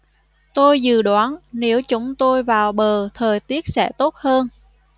tôi dự đoán nếu chúng tôi vào bờ thời tiết sẽ tốt hơn